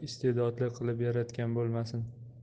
iste'dodli qilib yaratgan bo'lmasin